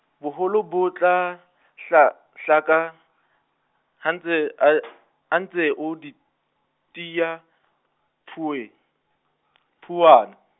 boholo bo tla, hla- hlaka, ha ntse a, ha ntse o di, tiya , phuwe- , phuwana.